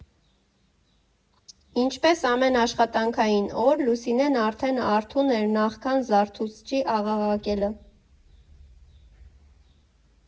Ինչպես ամեն աշխատանքային օր, Լուսինեն արդեն արթուն էր՝ նախքան զարթուցչի աղաղակելը։